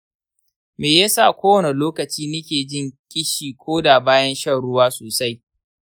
me yasa kowane lokaci nike jin ƙishi koda bayan shan ruwa sosai?